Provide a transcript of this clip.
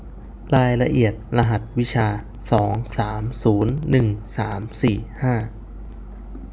รายละเอียดรหัสวิชาสองสามศูนย์หนึ่งสามสี่ห้า